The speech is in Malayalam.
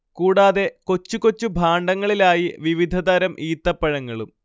കൂടാതെ കൊച്ചു കൊച്ചു ഭാണ്ഡങ്ങളിലായി വിവിധതരം ഈത്തപ്പഴങ്ങളും